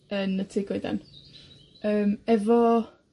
yn y tŷ goedan. Yym, efo